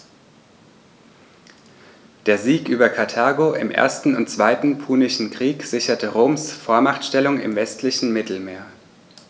Der Sieg über Karthago im 1. und 2. Punischen Krieg sicherte Roms Vormachtstellung im westlichen Mittelmeer.